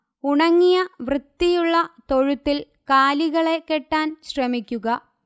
ഉണങ്ങിയ വൃത്തിയുള്ള തൊഴുത്തിൽ കാലികളെ കെട്ടാൻ ശ്രമിക്കുക